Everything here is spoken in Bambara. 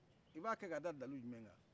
i b'a kɛ ka da dalu jumɛn kan